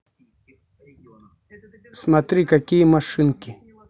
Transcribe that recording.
смотри какие машинки